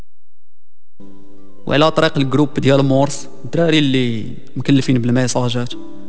ولا طريق الجروب في المواقف اللي مكلفين بالماء سوهاج